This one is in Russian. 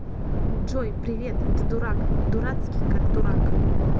джой привет ты дурак дурацкий как дурак